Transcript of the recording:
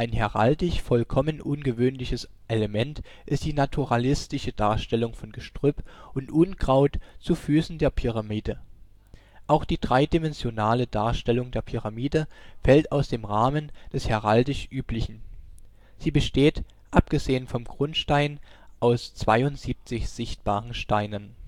heraldisch vollkommen ungewöhnliches Element ist die naturalistische Darstellung von Gestrüpp und Unkraut zu Füßen der Pyramide. Auch die dreidimensionale Darstellung der Pyramide fällt aus dem Rahmen des heraldisch Üblichen. Sie besteht (abgesehen vom Grundstein) aus 72 sichtbaren Steinen